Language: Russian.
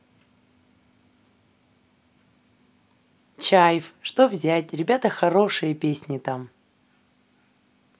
чайф что взять ребята хорошие песни там